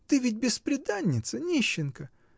Ты ведь бесприданница, нищенка!